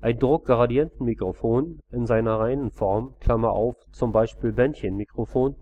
Ein Druckgradientenmikrofon in seiner reinen Form (z. B. Bändchenmikrofon